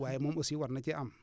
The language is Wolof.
waaye moom aussi war na cee am